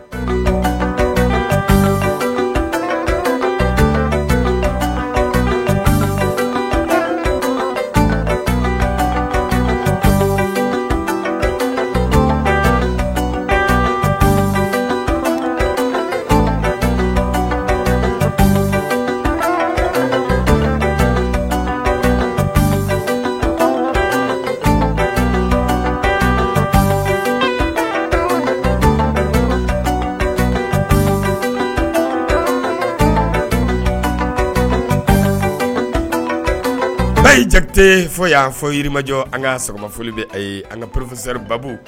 B y'i jate fɔ y'a fɔ yirimajɔ an ka sɔrɔma foli bɛ a ye an ka porofekisɛsɛri baa